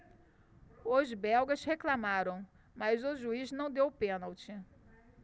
os belgas reclamaram mas o juiz não deu o pênalti